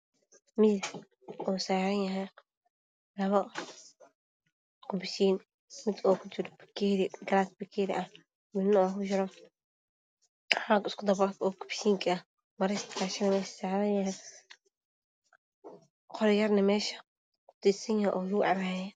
Waa miis waxaa saaran labo kobashiin mid uu kujiro bakeeri midna uu kujiro caaga isku daboolan oo kobashiinka. Bareysna meesha saaran yahay iyo qoryaha lugu cabo oo meesha kutiirsan.